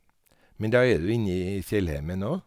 Men da er du inni fjellheimen òg.